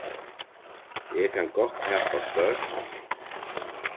eg kann gott tapa stórt